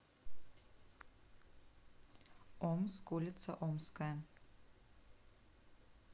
омск улица омская